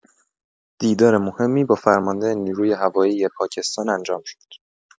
دیدار مهمی با فرمانده نیروی هوایی پاکستان انجام شد.